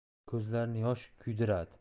ko'zlarni yosh kuydiradi